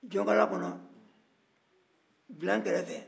jɔnkala kɔnɔ bila kɛrɛfɛ